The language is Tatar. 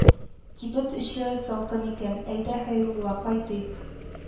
Кибет эче салкын икән, әйдә, Хәйрулла, кайтыйк,